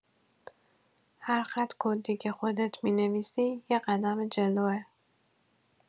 هر خط کدی که خودت می‌نویسی، یه قدم جلوئه.